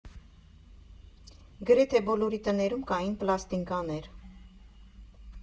Գրեթե բոլորի տներում կային «պլաստինկաներ»։